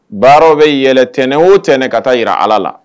Baaraw be yɛlɛ tɛnɛn o tɛnɛn ka taa yira Ala la